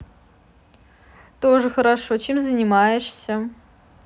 тоже хорошо чем занимаешься